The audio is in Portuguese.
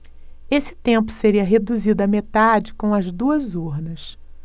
esse tempo seria reduzido à metade com as duas urnas